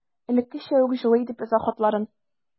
Элеккечә үк җылы итеп яза хатларын.